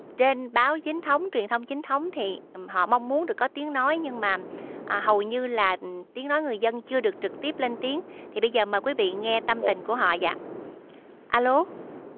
trên báo chính thống truyền thông chính thống thì họ mong muốn được có tiếng nói nhưng mà hầu như là tiếng nói người dân chưa được trực tiếp lên tiếng thì bây giờ mời quý vị nghe tâm tình của họ dạ a lô